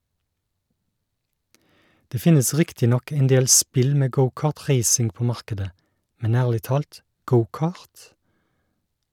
Det finnes riktig nok endel spill med go-cart-racing på markedet, men ærlig talt - go-cart?